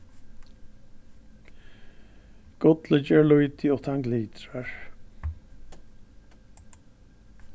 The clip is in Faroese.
gullið ger lítið uttan glitrar